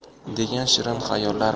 degan shirin xayollar